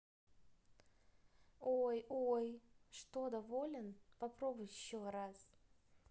ой ой что доволен попробуй еще раз